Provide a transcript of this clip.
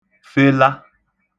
fela